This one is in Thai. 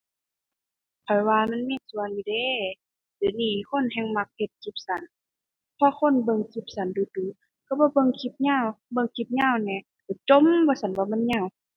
ข้อยว่ามันมีส่วนอยู่เดะ เดี๋ยวนี้คนแฮ่งมักเฮ็ดคลิปสั้น พอคนเบิ่งคลิปสั้นดู๋ดู๋ ก็บ่เบิ่งคลิปยาว เบิ่งคลิปยาวแหน่ จ่มว่าซั้นว่ามันยาว